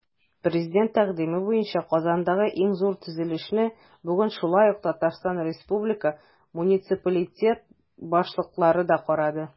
Президент тәкъдиме буенча Казандагы иң зур төзелешне бүген шулай ук ТР муниципалитет башлыклары да карады.